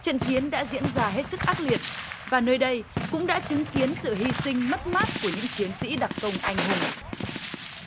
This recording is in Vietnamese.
trận chiến đã diễn ra hết sức ác liệt và nơi đây cũng đã chứng kiến sự hy sinh mất mát của những chiến sĩ đặc công anh hùng